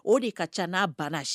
O de ka ca n'a banna